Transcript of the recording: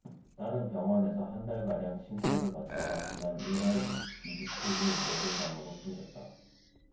딸은 병원에서 한 달가량 치료받다가 지난 일 월 이십 칠 일 뇌 손상으로 숨졌다